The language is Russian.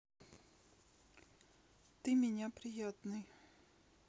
ты меня приятный